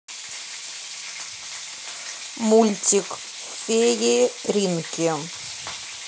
мультик фееринки